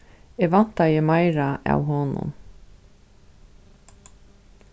eg væntaði meira av honum